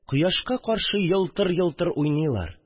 Кояшка каршы елтыр-елтыр уйныйлар